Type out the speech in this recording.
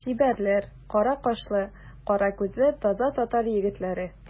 Чибәрләр, кара кашлы, кара күзле таза татар егетләре.